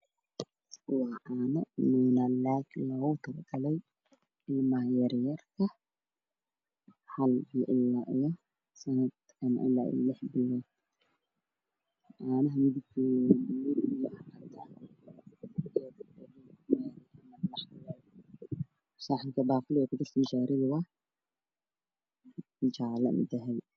Waxaa ii muuqda nuuna cereal oo ah nafaqada la siiyo carruurta yaryar waxa ayna ku jirtaaga gasacad